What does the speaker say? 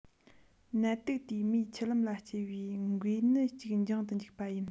ནད དུག དེས མི འཆི ལམ ལ སྐྱེལ བའི འགོས ནད ཅིག འབྱུང དུ འཇུག པ ཡིན